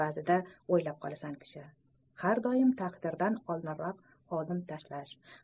ba'zida o'ylab qolasan kishi har doim taqdirdan oldinroq odim tashlash